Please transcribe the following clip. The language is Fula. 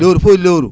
lewru foo e lewru